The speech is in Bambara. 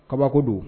Kabako don